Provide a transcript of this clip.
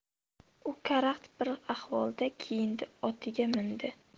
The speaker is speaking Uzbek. u karaxt bir ahvolda kiyindi otiga mindi